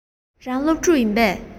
རང སློབ ཕྲུག ཡིན པས